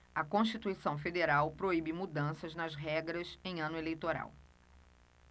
a constituição federal proíbe mudanças nas regras em ano eleitoral